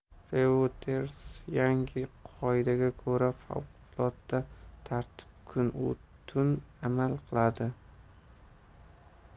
reutersyangi qoidaga ko'ra favqulodda tartib kun u tun amal qiladi